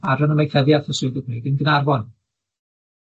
adran ameithyddiaeth y swyddfa Cymreig yn Ganarfon.